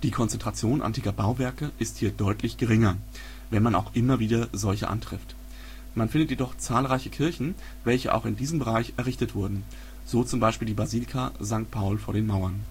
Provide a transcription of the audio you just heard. Konzentration antiker Bauwerke ist hier deutlich geringer, wenn man auch immer wieder solche antrifft. Man findet jedoch zahlreiche Kirchen, welche auch in diesem Bereich errichtet wurden, so zum Beispiel die Basilika St. Paul vor den Mauern